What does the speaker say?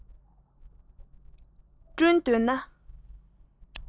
རྩོམ རིག གི བྱ བཞག ཅིག